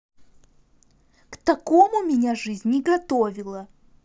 к такому меня жизнь не готовила